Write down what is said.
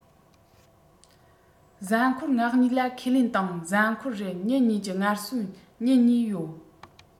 གཟའ འཁོར ༥༢ ལ ཁས ལེན དང གཟའ འཁོར རེར ཉིན གཉིས ཀྱི ངལ གསོའི ཉིན གཉིས ཡོད